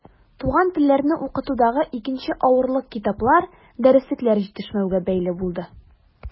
Туган телләрне укытудагы икенче авырлык китаплар, дәреслекләр җитешмәүгә бәйле булды.